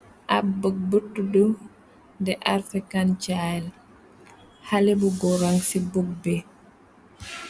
Ab book bu tuddu di african child xale bu goor rang si book bi.